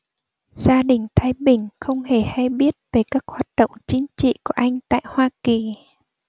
gia đình thái bình không hề hay biết về các hoạt động chính trị của anh tại hoa kỳ